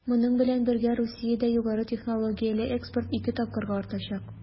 Моның белән бергә Русиядә югары технологияле экспорт 2 тапкырга артачак.